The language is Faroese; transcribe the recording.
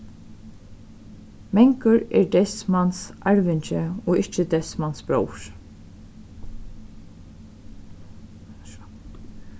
mangur er deyðs mans arvingi og ikki er deyðs mans bróðir